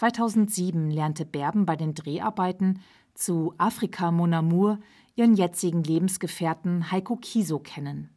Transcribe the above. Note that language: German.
2007 lernte Berben bei den Dreharbeiten zu Afrika, mon amour ihren jetzigen Lebensgefährten Heiko Kiesow kennen